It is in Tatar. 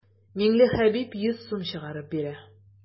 Миңлехәбиб йөз сум чыгарып бирә.